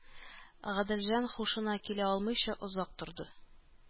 Гаделҗан һушына килә алмыйча озак торды